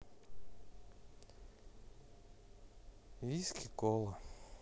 виски кола